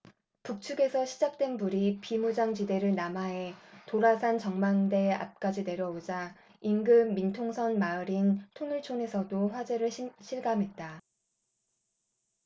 북측에서 시작된 불이 비무장지대를 남하해 도라산전망대 앞까지 내려오자 인근 민통선마을인 통일촌에서도 화재를 실감했다